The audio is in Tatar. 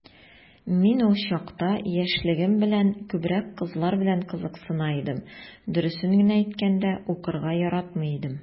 Мин ул чакта, яшьлегем белән, күбрәк кызлар белән кызыксына идем, дөресен генә әйткәндә, укырга яратмый идем...